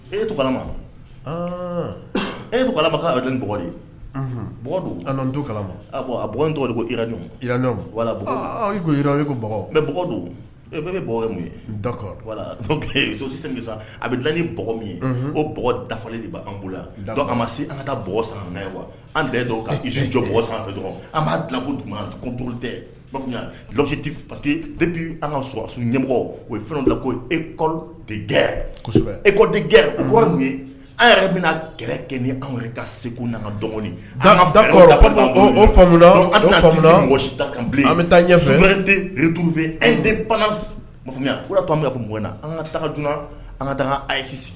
Ema ebadu kala a tɔgɔ ko bɛ a bɛ dilan ni min ye o dafa de b'an bolo ma se an ka san ye wa an bɛɛ jɔ sanfɛ an b'aku tɛlɔ tɛ paseke an ka sɔrɔ a ɲɛmɔgɔ o ye fɛnw bila ko e e o ye an yɛrɛ bɛna kɛlɛ kɛ ni anw yɛrɛ ka segu nana dɔgɔnin an bɛ taafɛfɛ e' fɔ an ka taa j an ka taa ayi yesi